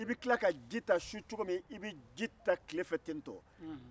i bɛ tila ka ti ta su cogo min i bɛ tila ka ji ta tilefɛ ten tɔ